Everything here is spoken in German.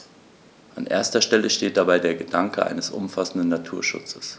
An erster Stelle steht dabei der Gedanke eines umfassenden Naturschutzes.